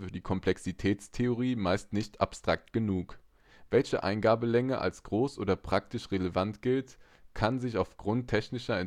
die Komplexitätstheorie meist nicht abstrakt genug. Welche Eingabelänge als groß oder praktisch relevant gilt, kann sich aufgrund technischer